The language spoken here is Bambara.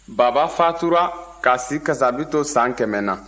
baba faatura k'a si kasabi to san kɛmɛ na